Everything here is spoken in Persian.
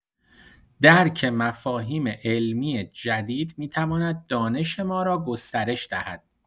درک مفاهیم علمی جدید می‌تواند دانش ما را گسترش دهد.